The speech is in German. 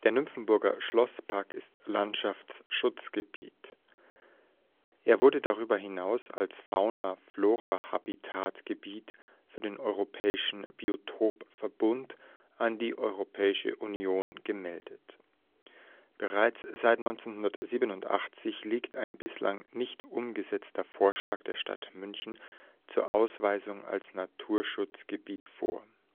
Nymphenburger Schlosspark ist Landschaftsschutzgebiet. Er wurde darüber hinaus als Fauna-Flora-Habitat-Gebiet für den europäischen Biotopverbund an die Europäische Union gemeldet. Bereits seit 1987 liegt ein bislang nicht umgesetzter Vorschlag der Stadt München zur Ausweisung als Naturschutzgebiet vor